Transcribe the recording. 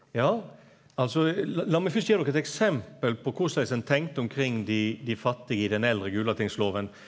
ja altså la meg fyrst gje dykk eit eksempel på korleis ein tenkte kring dei dei fattige i den eldre Gulatingsloven.